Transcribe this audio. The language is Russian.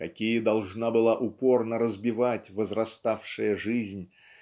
какие должна была упорно разбивать возраставшая жизнь